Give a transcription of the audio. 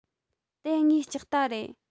དེ ངའི ལྕགས རྟ རེད